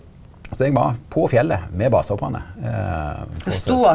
så eg var på fjellet med basehopparane .